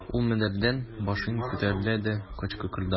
Ул мендәрдән башын күтәрде дә, кычкырды.